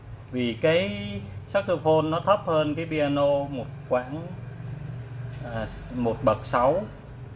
bởi vì saxophone thấp hơn piano một bậc vi